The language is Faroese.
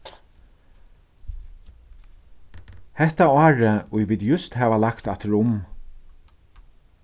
hetta árið ið vit júst hava lagt afturum